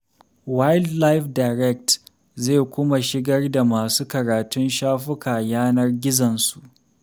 WildlifeDirect zai kuma shigar da masu karatun shafuka yanar gizon su.